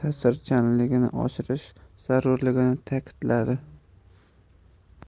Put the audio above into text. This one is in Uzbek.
deputat so'rovining ta'sirchanligini oshirish zarurligini ta'kidladi